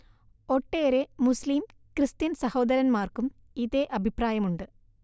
ഒട്ടേറെ മുസ്ളീം കൃസ്ത്യൻ സഹോദരന്മാർക്കും ഇതേ അഭിപ്രായമുണ്ട്